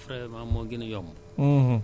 loolu ñuy wax matériel agricole